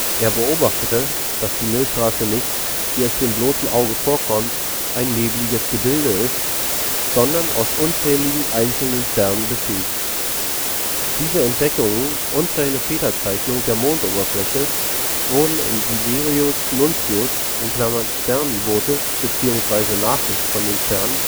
Er beobachtete, dass die Milchstraße nicht – wie es dem bloßen Auge vorkommt – ein nebliges Gebilde ist, sondern aus unzähligen einzelnen Sternen besteht. Diese Entdeckungen und seine Federzeichnung der Mondoberfläche wurden im Sidereus Nuncius (Sternenbote bzw. Nachricht von den Sternen